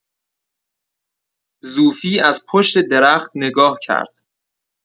زوفی از پشت درخت نگاه کرد.